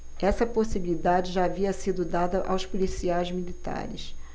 essa possibilidade já havia sido dada aos policiais militares